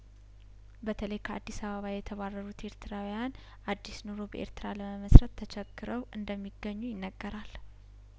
በተለይ ከአዲስ አበባ የተባረሩት ኤርትራውያን አዲስ ኑሮ በኤርትራ ለመመስረት ተቸግረው እንደሚገኙ ይነገራል